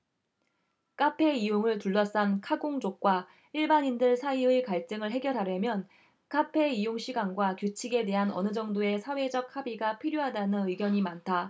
카페 이용을 둘러싼 카공족과 일반인들 사이의 갈등을 해결하려면 카페 이용시간과 규칙에 대한 어느 정도의 사회적 합의가 필요하다는 의견이 많다